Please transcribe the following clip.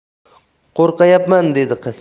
qo'rqyapman dedi qiz